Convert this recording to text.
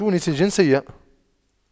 تونسي الجنسية